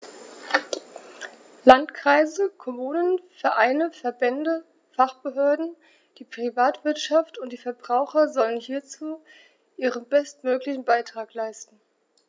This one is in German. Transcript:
Landkreise, Kommunen, Vereine, Verbände, Fachbehörden, die Privatwirtschaft und die Verbraucher sollen hierzu ihren bestmöglichen Beitrag leisten.